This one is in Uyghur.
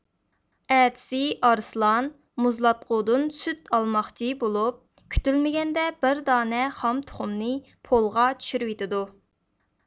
ئەتىسى ئارسلان مۇزلاتقۇدىن سۈت ئالماقچى بولۇپ كۈتۈلمىگەندە بىر دانە خام تۇخۇمنى پولغا چۈشۈرۈۋېتىدۇ